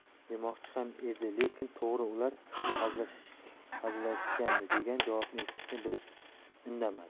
demoqchi ham edi lekin to'g'ri ular hazillashishgandi degan javobni eshitishini bilib indamadi